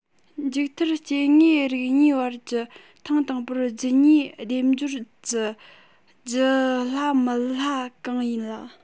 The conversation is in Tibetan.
མཇུག མཐར སྐྱེ དངོས རིགས གཉིས བར གྱི ཐེངས དང པོར རྒྱུད གཉིས སྡེབ སྦྱོར བགྱི རྒྱུ སླ མི སླ གང ཡིན ལ